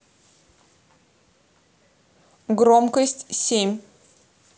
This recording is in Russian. громкость семь